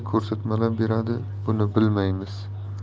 ko'rsatmalar beradi buni bilmaymiz